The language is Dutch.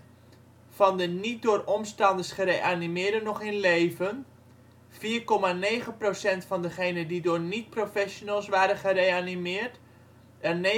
van de niet door omstanders gereanimeerden nog in leven; 4,9 % van degenen die door niet-professionals waren gereanimeerd, en 9,2 %